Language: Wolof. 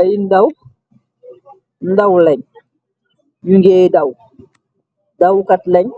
Ay ndaw ndaw len nyugéy daw dawkat lenn